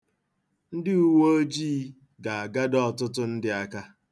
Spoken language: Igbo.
Ndị uwe ojii ga-agado ọtụtụ ndị aka.